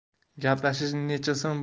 gaplashish necha so'm